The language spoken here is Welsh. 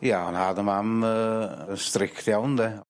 ia o'n nhad a mam yy y' strict iawn 'de.